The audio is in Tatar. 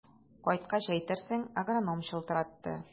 Кайткач әйтерсең, агроном чылтыратты.